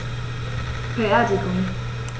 Beerdigung